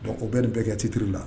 Bon o bɛɛ nin bɛ kɛ citiriuru la